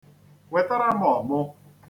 Wetara m ọmụ.